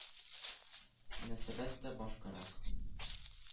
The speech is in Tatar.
Мөнәсәбәт тә башкарак.